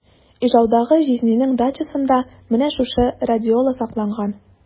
Ижаудагы җизнинең дачасында менә шушы радиола сакланган.